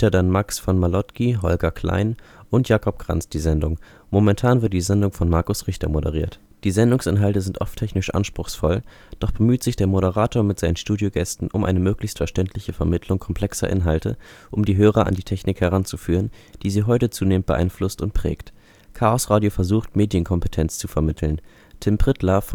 dann Max von Malotki, Holger Klein und Jakob Kranz die Sendung. Momentan wird die Sendung von Marcus Richter moderiert. Die Sendungsinhalte sind oft technisch anspruchsvoll, doch bemühen sich der Moderator mit seinen Studiogästen um eine möglichst verständliche Vermittlung komplexer Inhalte, um die Hörer an die Technik heranzuführen, die sie heute zunehmend beeinflusst und prägt. Chaosradio versucht, Medienkompetenz zu vermitteln. Tim Pritlove